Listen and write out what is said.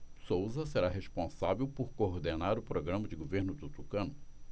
souza será responsável por coordenar o programa de governo do tucano